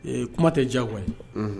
Ee kuma tɛ diyagoya ye unhun